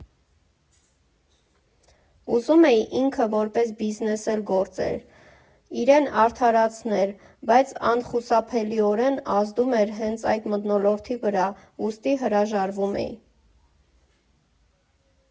Ուզում էի՝ ինքը որպես բիզնես էլ գործեր, իրեն արդարացներ, բայց անխուսափելիորեն ազդում էր հենց այդ մթոլորտի վրա, ուստի հրաժարվում էի։